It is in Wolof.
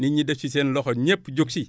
nit ñi def si seen loxo ñépp jóg si